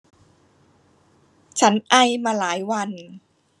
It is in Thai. ฉันไอมาหลายวัน